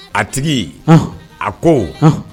A tigi a ko